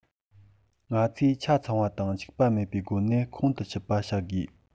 ང ཚོས ཆ ཚང བ དང འཕྱུགས པ མེད པའི སྒོ ནས ཁོང དུ ཆུད པ བྱ དགོས